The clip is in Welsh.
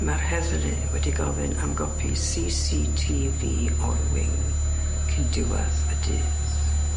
Ma'r heddlu wedi gofyn am gopi See See Tee Vee o'r wing cyn diwedd y dydd.